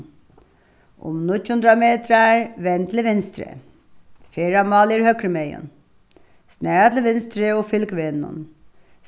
um níggju hundrað metrar vend til vinstri ferðamálið er høgrumegin snara til vinstri og fylg vegnum